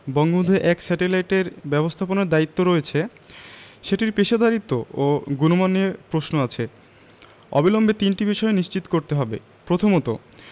Bangabandhu ১ satellite এর ব্যবস্থাপনার দায়িত্ব রয়েছে সেটির পেশাদারিত্ব ও গুণমান নিয়ে প্রশ্ন আছে অবিলম্বে তিনটি বিষয় নিশ্চিত করতে হবে প্রথমত